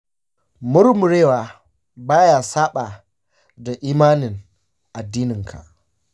murmurewa ba ya saɓa da imanin addininka.